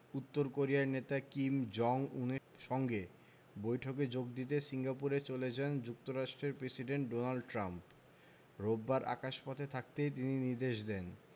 উত্তর কোরিয়ার নেতা কিম জং উনের সঙ্গে বৈঠকে যোগ দিতে সিঙ্গাপুরে চলে যান যুক্তরাষ্ট্রের প্রেসিডেন্ট ডোনাল্ড ট্রাম্প রোববার আকাশপথে থাকতেই তিনি নির্দেশ দেন